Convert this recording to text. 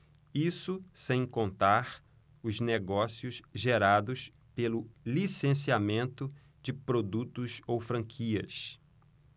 isso sem contar os negócios gerados pelo licenciamento de produtos ou franquias